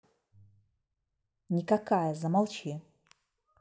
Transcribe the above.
никакая замолчи